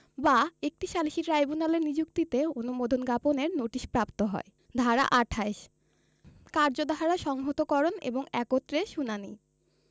বা একটি সালিসী ট্রাইব্যুনালের নিযুক্তিতে অনুমোদন জ্ঞাপনের নোটিশপ্রাপ্ত হয় ধারা ২৮ কার্ডধারা সংহতকরণ এবং একত্রে শুনানী